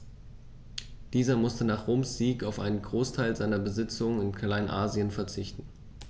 Dieser musste nach Roms Sieg auf einen Großteil seiner Besitzungen in Kleinasien verzichten.